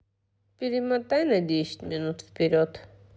перемотай на десять минут вперед